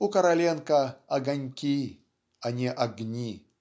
У Короленко огоньки, а не огни.